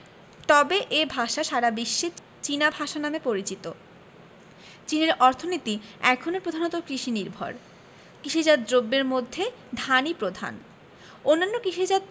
তবে এ ভাষা সারা বিশ্বে চীনা ভাষা নামে পরিচিত চীনের অর্থনীতি এখনো প্রধানত কৃষিনির্ভর কৃষিজাত দ্রব্যের মধ্যে ধানই প্রধান অন্যান্য কৃষিজাত